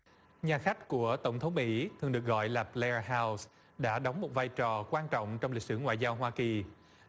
nhà khách của tổng thống mỹ thường được gọi là bờ le ơ hao đã đóng một vai trò quan trọng trong lịch sử ngoại giao hoa kỳ